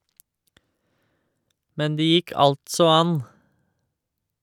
Men det gikk altså an.